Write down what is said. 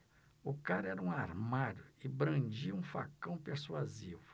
o cara era um armário e brandia um facão persuasivo